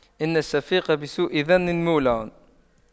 إن الشفيق بسوء ظن مولع